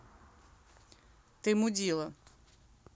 ты мудила